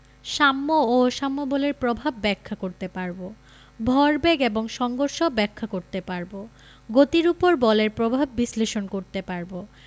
সাম্য ও অসাম্য বলের প্রভাব ব্যাখ্যা করতে পারব ভরবেগ এবং সংঘর্ষ ব্যাখ্যা করতে পারব গতির উপর বলের প্রভাব বিশ্লেষণ করতে পারব